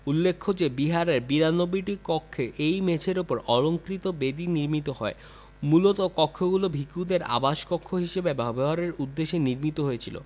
উল্লেখ্য যে বিহারের ৯২টি কক্ষে এই মেঝের উপর অলংকৃত বেদি নির্মিত হয় মূলত কক্ষগুলি ভিক্ষুদের আবাসকক্ষ হিসেবে ব্যবহারের উদ্দেশ্যে নির্মিত হয়েছিল